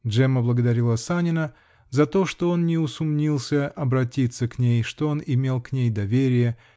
Джемма благодарила Санина за то, что он не усумнился обратиться к ней, что он имел к ней доверие